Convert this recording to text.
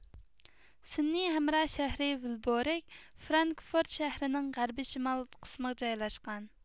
سۈنئىي ھەمراھ شەھىرى ۋىلبورىگ فرانكىفورد شەھىرىنىڭ غەربى شىمال قىسمىغا جايلاشقان